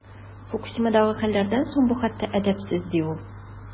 Фукусимадагы хәлләрдән соң бу хәтта әдәпсез, ди ул.